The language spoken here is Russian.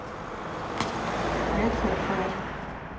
red warfare